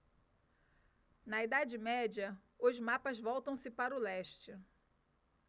na idade média os mapas voltam-se para o leste